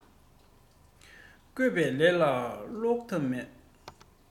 བསྐོས པའི ལས ལ ཟློག ཐབས མེད